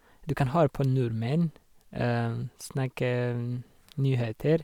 Du kan høre på nordmenn snakke nyheter.